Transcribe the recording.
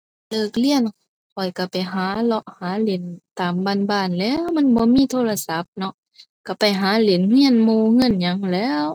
เลิกเรียนข้อยก็ไปหาเลาะหาเล่นตามบ้านบ้านแหล้ว มันบ่มีโทรศัพท์เนาะ ก็ไปหาเล่นก็หมู่ก็หยังหั้นแหล้ว